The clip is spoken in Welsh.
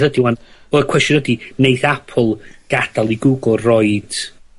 ...ydi 'wan... Wel y cwestiwn ydi wneith Apple gadal i Google roid...